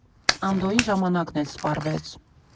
Անդոյի ժամանակն էլ սպառվեց։